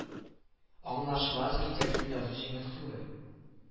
Аңлашыла җыр текстын язу җиңел түгел